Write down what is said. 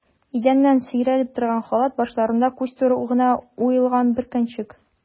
Идәннән сөйрәлеп торган халат, башларында күз туры гына уелган бөркәнчек.